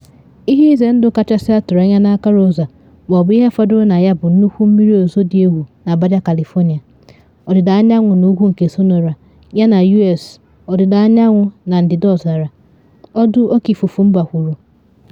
“Ihe ịze ndụ kachasị atụrụ anya n’aka Rosa ma ọ bụ ihe fọdụrụ na ya bụ nnukwu mmiri ozizo dị egwu na Baja California, ọdịda anyanwụ na ugwu nke Sonora, yana U.S. Ọdịda Anyanwụ na Ndịda Ọzara,” Ọdụ Oke Ifufe Mba kwuru.